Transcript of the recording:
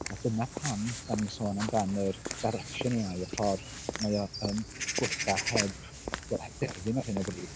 A dyna pam dan ni'n sôn amdan yr direction AI y ffordd mae o yn gwella heb wel heb derfyn ar hyn o bryd.